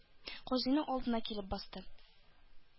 Казыйның алдына килеп басты.